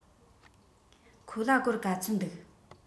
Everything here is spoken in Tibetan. ཁོ ལ སྒོར ག ཚོད འདུག